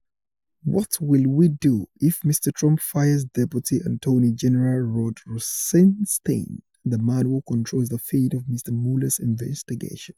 What will we do if Mr. Trump fires Deputy Attorney General Rod Rosenstein, the man who controls the fate of Mr. Mueller's investigation?